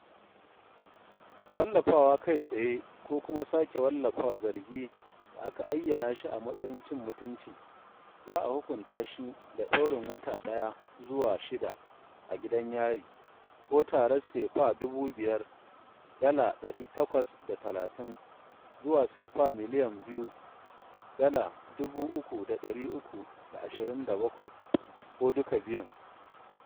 Wallafawa kai tsaye ko kuma sake wallafa zargi da aka ayyana shi a matsayin cin mutunci, za a hukunta shi da ɗaurin wata ɗaya (01) zuwa shida (06) a gidan yari, ko tarar FCFA 500,000 (dala 830) zuwa FCFA 2,000,000 (dala 3,327), ko duka biyun.